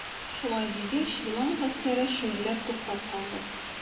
Шулай дигәч, елан гаскәре шүрләп туктап калды.